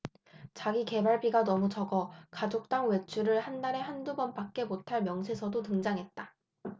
자기계발비가 너무 적어 가족당 외출을 한 달에 한 두 번밖에 못할 명세서도 등장했다